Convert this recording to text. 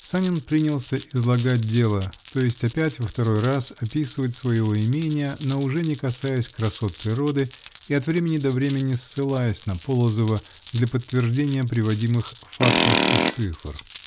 Санин принялся "излагать дело", то есть опять, во второй раз, описывать свое имение, но уже не касаясь красот природы и от времени до времени ссылаясь на Полозова, для подтверждения приводимых "фактов и цифр".